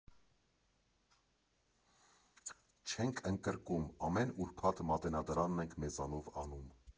Չենք ընկրկում, ամեն ուրբաթ Մատենադարանն ենք մեզանով անում։